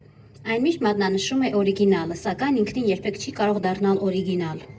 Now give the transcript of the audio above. Այն միշտ մատնանշում է օրիգինալը, սակայն ինքնին երբեք չի կարող «դառնալ» օրիգինալ.